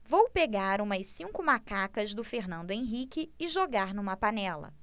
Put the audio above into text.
vou pegar umas cinco macacas do fernando henrique e jogar numa panela